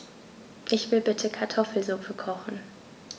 Ich will bitte Kartoffelsuppe kochen.